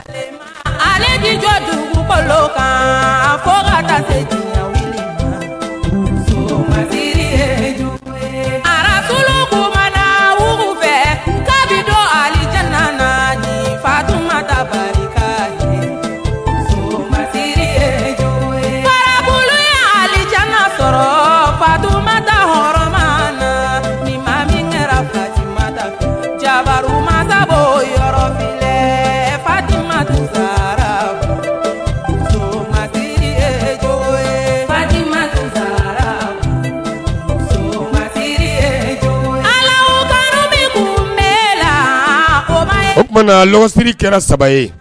Kuma alejijɛdugu kolokan ko kasejɛ ma jo barakolonkumabadaugu bɛ tado ali jalana fato tafe ka ma jo ye faamakolo alija sɔrɔ batomadama na ma min kɛra bada ja mago yɔrɔfila fadiba sara mati jo ye badi sara ma jo ka min kun bɛ la koba bana lɔsiri kɛra saba ye